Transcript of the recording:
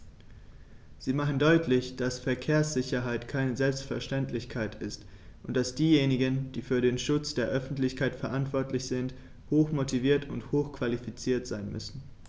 Sie machen deutlich, dass Verkehrssicherheit keine Selbstverständlichkeit ist und dass diejenigen, die für den Schutz der Öffentlichkeit verantwortlich sind, hochmotiviert und hochqualifiziert sein müssen.